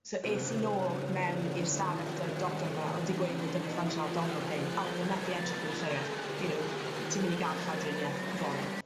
So es i nôl mewn i'r stafell 'dy'r doctor 'ma o'dd 'di gweud bo' 'dy fi functional abdominal pain a o'dd e methu edrych fi yn y llygad you know g- ti myn' i ga'l llawdrinieth fory.